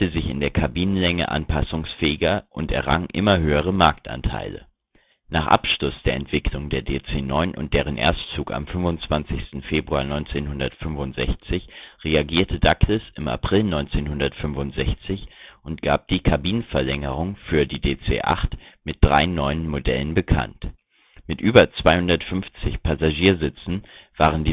in der Kabinenlänge anpassungsfähiger und errang immer höhere Marktanteile. Nach Abschluss der Entwicklung der DC-9 und deren Erstflug am 25. Februar 1965 reagierte Douglas im April 1965 und gab die Kabinenverlängerung für DC-8 mit drei neuen Modellen bekannt. Mit über 250 Passagiersitzen waren